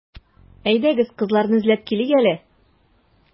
Әйдәгез, кызларны эзләп килик әле.